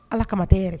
Ala kama taa yɛrɛ